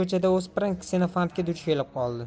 o'spirin ksenofantga duch kelib qoldi